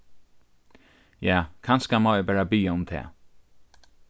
ja kanska má eg bara biðja um tað